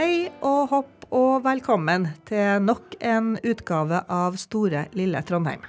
hei og hopp og velkommen til nok en utgave av store lille Trondheim.